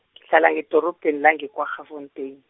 ngihlala ngedorobheni lange- Kwaggafontein.